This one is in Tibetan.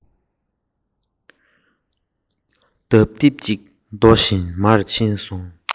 སྒོ ནས ཕོར པ ནག པོ དེའི ནང